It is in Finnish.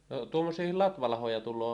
no tuommoisia latvalahoja tulee